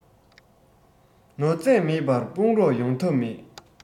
ནོར རྫས མེད པར དཔུང རོགས ཡོང ཐབས མེད